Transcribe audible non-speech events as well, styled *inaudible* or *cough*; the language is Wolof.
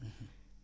*hesitation* *hesitation*